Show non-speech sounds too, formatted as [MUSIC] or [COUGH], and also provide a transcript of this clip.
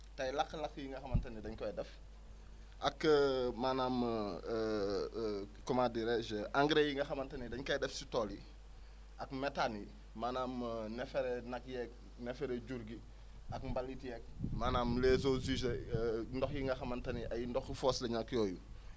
tey lakk-lakk yi nga xamante ni dañ koy def ak [HESITATION] maanaam [HESITATION] comment dirais je engrais yi nga xamante ne dañ koy def si tool yi al métane yi maanaam neefare nag yeeg neefere jur gi ak mbalit yeeg maanaam les eaux usées [HESITATION] ndox yi nga xamante ni ay ndoxu fosse la ñu ak yooyu